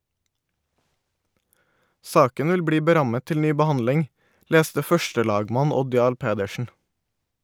Saken vil bli berammet til ny behandling, leste førstelagmann Odd Jarl Pedersen.